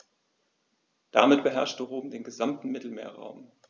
Damit beherrschte Rom den gesamten Mittelmeerraum.